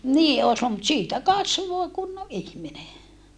niin olisi - mutta siitä kasvoi kunnon ihminen